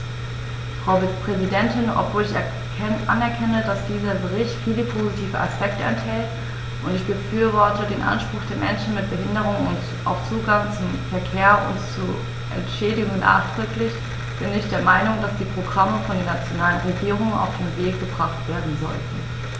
Frau Präsidentin, obwohl ich anerkenne, dass dieser Bericht viele positive Aspekte enthält - und ich befürworte den Anspruch der Menschen mit Behinderung auf Zugang zum Verkehr und zu Entschädigung nachdrücklich -, bin ich der Meinung, dass diese Programme von den nationalen Regierungen auf den Weg gebracht werden sollten.